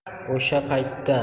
o'sha paytda